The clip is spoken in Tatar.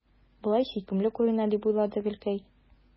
Болай сөйкемле күренә, – дип уйлады Гөлкәй.